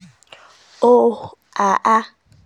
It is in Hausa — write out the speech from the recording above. Oh, a’a.